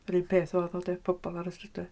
Yr un peth oedd o de? Pobl ar y strydoedd.